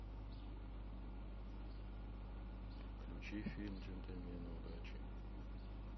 включи фильм джентельмены удачи